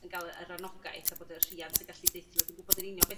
yn ga'l yr anogaeth a bod y rhiant yn gallu deutha n'w dwi'n gwbod yn union be